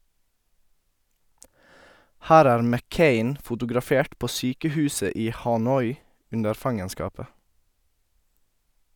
Her er McCain fotografert på sykehuset i Hanoi under fangenskapet.